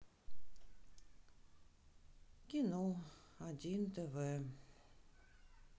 кино один тв